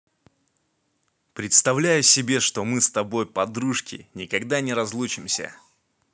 представляю себе что мы с тобой подружки никогда не разлучимся